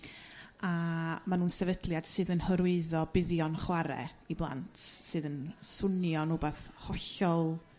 a ma' nhw'n sefydliad sydd yn hyrwyddo buddion chware i blant sydd yn swnio yn 'wbath hollol